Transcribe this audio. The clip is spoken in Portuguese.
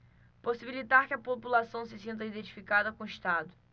possibilitar que a população se sinta identificada com o estado